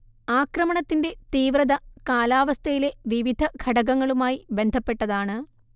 ആക്രമണത്തിന്റെ തീവ്രത കാലാവസ്ഥയിലെ വിവിധ ഘടകങ്ങളുമായി ബന്ധപ്പെട്ടതാണ്